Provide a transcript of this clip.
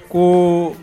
Ko